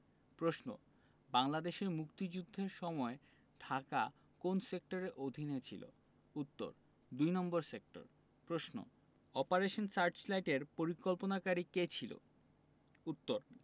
প্রশ্ন বাংলাদেশের মুক্তিযুদ্ধের সময় ঢাকা কোন সেক্টরের অধীনে ছিলো উত্তর দুই নম্বর সেক্টর প্রশ্ন অপারেশন সার্চলাইটের পরিকল্পনাকারী কে ছিল উত্তর